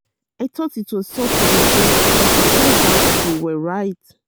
"I thought it was sort of a joke, but it turns out they were right."